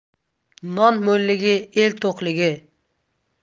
non mo'lligi el to'qligi